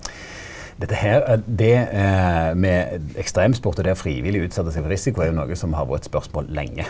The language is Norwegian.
dette her det med ekstremsport og det å frivillig utsette seg for risiko er jo noko som har vore eit spørsmål lenge.